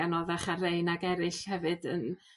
anoddach ar rei nag eryll hefyd yn